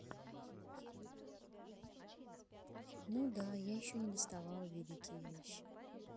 ну да я еще не достала великие вещи